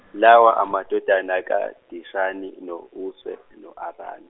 lawa amadodana kaDishani no Use, no Arana.